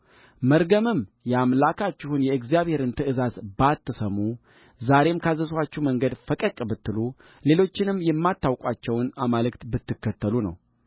መርገምም የአምላካችሁን የእግዚአብሔርን ትእዛዝ ባትሰሙ ዛሬም ካዘዝኋችሁ መንገድ ፈቀቅ ብትሉ ሌሎችንም የማታውቋቸውን አማልክት ብትከተሉ ነው